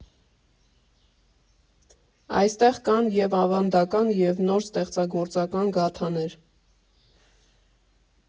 Այստեղ կան և՛ ավանդական, և՛ նոր, ստեղծագործական գաթաներ։